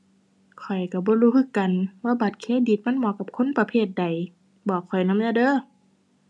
ข้อยก็บ่รู้คือกันว่าบัตรเครดิตมันเหมาะกับคนประเภทใด บอกข้อยนำแหน่เด้อ